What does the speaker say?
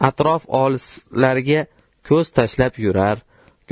atrof olislarga ko'z tashlab yurar